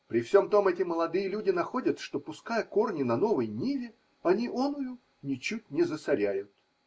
При всем том эти молодые люди находят, что, пуская корни на новой ниве, они оную ничуть не засоряют.